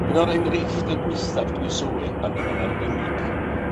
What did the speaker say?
Un o'r enghreifftia' gwaethaf dwi'n sylwi a- arno fo'n arbennig